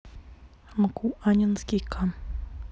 мку аннинский ка